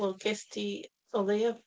Wel, gest ti o leiaf...